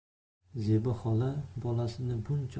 zebi xola bolasini